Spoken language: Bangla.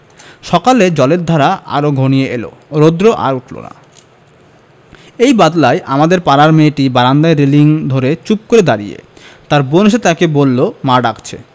সকালে জলের ধারা আরো ঘনিয়ে এল রোদ্র আর উঠল না এই বাদলায় আমাদের পাড়ার মেয়েটি বারান্দায় রেলিঙ ধরে চুপ করে দাঁড়িয়ে তার বোন এসে তাকে বললে মা ডাকছে